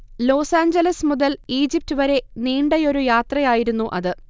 Los Angeles മുതൽ Egypt വരെ നീണ്ടയൊരു യാത്രയായിരുന്നു അത്